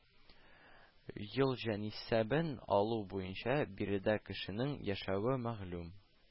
Ел җан исәбен алу буенча биредә кешенең яшәү мәгълүм